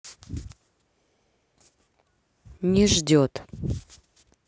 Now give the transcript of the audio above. не ждет